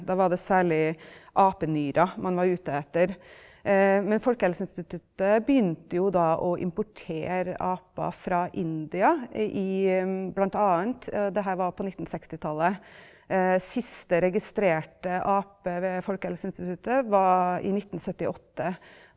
da var det særlig apenyrer man var ute etter, men Folkehelseinstituttet begynte jo da og importere aper fra India i blant annet, og det her var på nittensekstitallet siste registrerte ape ved Folkehelseinstituttet var i nittensyttiåtte.